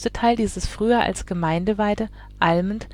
Teil dieses früher als Gemeindeweide (Allmende